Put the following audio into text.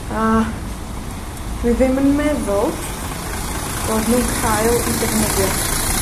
A, dwi ddim yn meddwl bod nw'n cael 'u defnyddio.